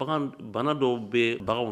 Bana dɔw bɛ bagan